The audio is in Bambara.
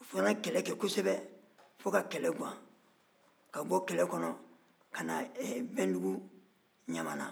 u fana ye kɛlɛ kɛ kosɛbɛ fɔ ka kɛlɛ gan ka bɔ kɛlɛ kɔnɔ ka na bɛndugu ɲamana